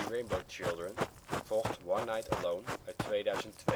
Rainbow Children volgt One Nite Alone... (2002